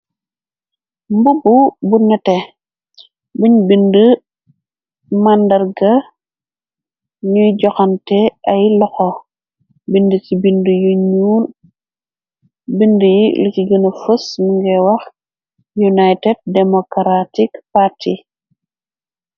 Mbubu bu neteh bun bindi madarga nuy juganteh ay loxou bede se bindi yu nuul bindi ye lose gena fess muge wah united democratic parti.